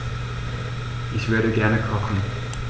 Ich würde gerne kochen.